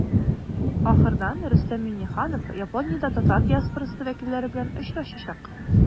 Ахырдан Рөстәм Миңнеханов Япониядә татар диаспорасы вәкилләре белән очрашачак.